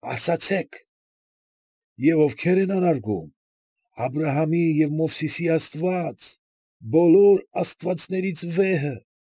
Ասացեք։ Եվ ովքե՛ր են անարգում, Աբրահամի և Մովսիսի աստվա՜ծ, բոլոր աստվածներից վեհը։